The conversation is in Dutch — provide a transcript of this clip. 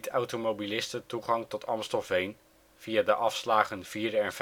automobilisten toegang tot Amstelveen via de afslagen 4 en